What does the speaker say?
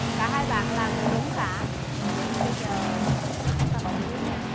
cả hai bạn làm đều đúng cả vậy thì bây giờ lớp chúng ta bỏ phiếu nha